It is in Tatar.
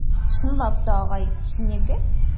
Чынлап та, агай, синеке?